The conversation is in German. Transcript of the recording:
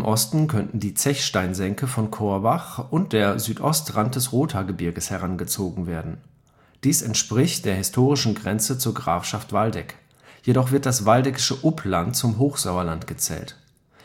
Osten könnten die Zechsteinsenke von Korbach und der Südostrand des Rothaargebirges herangezogen werden. Dies entspricht der historischen Grenze zur Grafschaft Waldeck; jedoch wird das waldeckische Upland zum Hochsauerland gezählt.